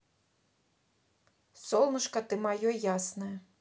солнышко ты мое ясное